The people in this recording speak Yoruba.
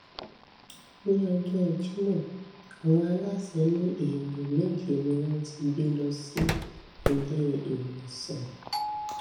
Ní ọjọ́ Jímọ̀, àwọn aláṣẹ ní èèyàn méje ni wọ́n ti gbé lọ sí ilé-ìwòsàn.